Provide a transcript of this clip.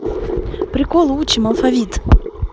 приколы учим алфавит